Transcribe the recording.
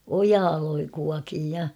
ojaa - kuokin ja